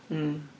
Mm.